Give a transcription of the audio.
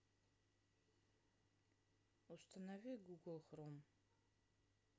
установи google chrome